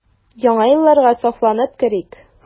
Яңа елларга сафланып керик.